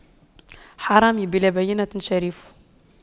حرامي بلا بَيِّنةٍ شريف